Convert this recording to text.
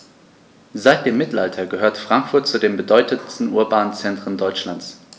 Seit dem Mittelalter gehört Frankfurt zu den bedeutenden urbanen Zentren Deutschlands.